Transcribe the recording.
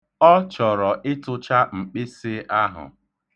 Ọ chọrọ ịtụcha mkpịsị ahụ.